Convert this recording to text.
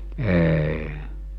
ei